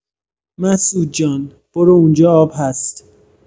مسعود جان برو اونجا آب هست.